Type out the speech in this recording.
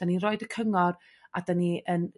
dyn ni'n roid y cyngor a dyn ni yn